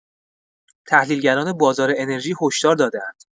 تحلیلگران بازار انرژی هشدار داده‌اند.